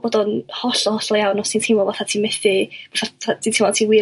bod o'n hollol hollol iawn os ti'n teimlo fatha ti methu t'wod ti teimlo ti wir